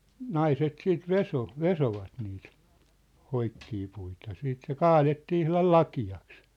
naiset sitten vesoi vesoivat niitä hoikkia puita sitten se kaadettiin ihan lakeaksi